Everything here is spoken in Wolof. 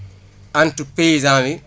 entre paysa bi